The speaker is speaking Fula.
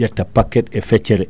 ƴetta paquet e feccere